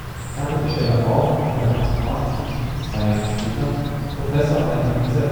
gab er die Stelle auf und wurde 1869, zwei Jahre später, Professor an der Pariser